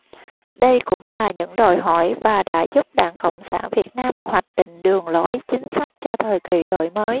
đây cũng là những đòi hỏi và đã giúp đảng cộng sản việt nam hoạch định đường lối chính sách cho thời kỳ đổi mới